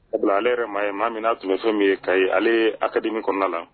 Obi ale yɛrɛ maa ye maa min'a tun bɛ fɛn min ye k ka ye ale ye a kadmi kɔnɔna na